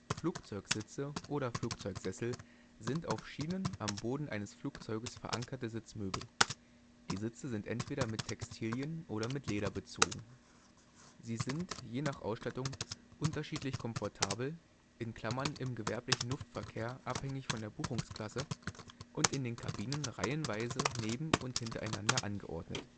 Flugzeugsitze oder Flugzeugsessel sind auf Schienen am Boden eines Flugzeuges verankerte Sitzmöbel. Die Sitze sind entweder mit Textilien oder mit Leder bezogen. Sie sind je nach Ausstattung unterschiedlich komfortabel (im gewerblichen Luftverkehr abhängig von der Buchungsklasse) und in den Kabinen reihenweise neben - und hintereinander angeordnet